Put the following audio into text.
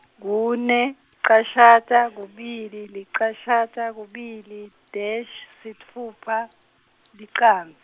kune licashata kubili licashata kubili dash sitfupha licandz-.